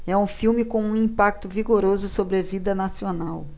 é um filme com um impacto vigoroso sobre a vida nacional